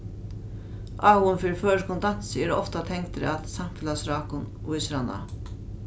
áhugin fyri føroyskum dansi er ofta tengdur at samfelagsrákum vísir hann á